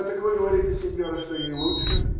Так вы говорите, синьора, что ей лучше?